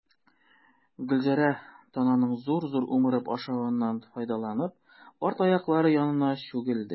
Гөлзәрә, тананың зур-зур умырып ашавыннан файдаланып, арт аяклары янына чүгәләде.